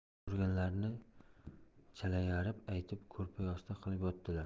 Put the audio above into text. ko'rganlarini chalayarim aytib ko'rpa yostiq qilib yotdilar